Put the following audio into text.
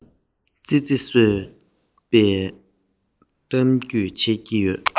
ཙི ཙི གསོད པའི གཏམ རྒྱུད འཆད ཀྱི ཡོད